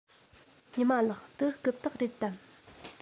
ཉི མ ལགས འདི རྐུབ སྟེགས རེད དམ